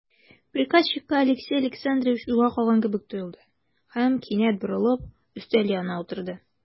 Приказчикка Алексей Александрович уйга калган кебек тоелды һәм, кинәт борылып, өстәл янына утырды.